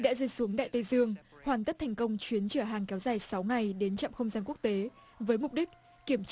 đã rơi xuống đại tây dương hoàn tất thành công chuyến chở hàng kéo dài sáu ngày đến trạm không gian quốc tế với mục đích kiểm tra